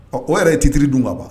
Ɔ o yɛrɛ ye titre dun kaban.